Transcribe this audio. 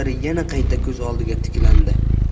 voqealar yana qayta ko'z oldida tiklandi